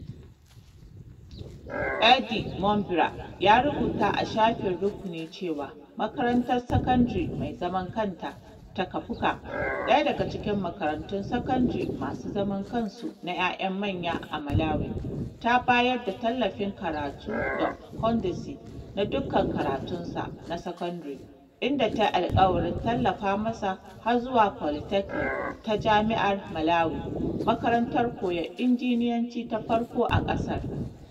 Eddie Mombera ya rubuta a shafin rukuni cewa Makarantar Sakandare mai zaman kanta ta Kaphuka, ɗaya daga cikin makarantun sakandare masu zaman kansu na 'ya'yan manya a Malawi, ta bayar da tallafin karatu ga Kondesi “na dukkan karatunsa na sakandare,”inda tayi alƙawarin tallafa masa har zuwa Polytechnic ta Jami’ar Malawi, makarantar koyan injiniyanci ta farko a ƙasar.